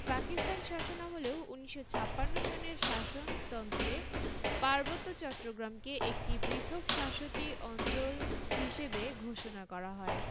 পাকিস্তান শাসনামলেও ১৯৫৬ সনের শাসনন্ত্রে পার্বত্য চট্টগ্রামকে একটি 'পৃথক শাসতি অঞ্চল' হিসেবে ঘোষণা করা হয়